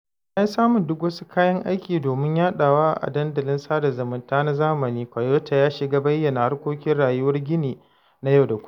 Bayan samun duk wasu kayan aiki domin yaɗawa a dandalin sada zumunta na zamani, Kouyaté ya shiga bayyana harkokin rayuwar Guinea na yau da kullum.